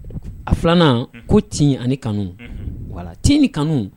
A filanan ko tin ani kanu wa tiin ni kanu